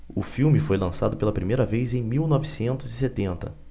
o filme foi lançado pela primeira vez em mil novecentos e setenta